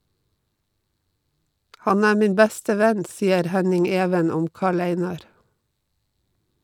- Han er min beste venn, sier Henning-Even om Karl-Einar.